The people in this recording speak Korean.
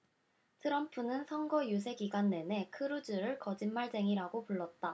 트럼프는 선거 유세 기간 내내 크루즈를 거짓말쟁이라고 불렀다